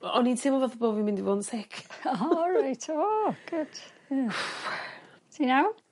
o- o'n i'n teimlo fel bo' bo' fi' mynd i fod yn sick. O reit, o good, ie. Ti'n iawn?